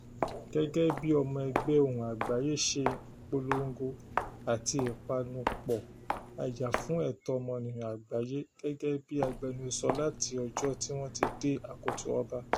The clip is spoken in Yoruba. Gẹ́gẹ́ bí ọmọ ẹgbẹ́ Ohùn Àgbáyé ṣe ìpolongo àti ìpanupọ̀ ajàfúnẹ̀tọ́ ọmọnìyàn àgbáyé gẹ́gẹ́ bi agbẹnusọ láti ọjọ́ tí wọ́n dé akoto ọba.